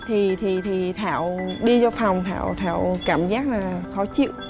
thì thì thì thảo đi vô phòng thảo thảo cảm giác là khó chịu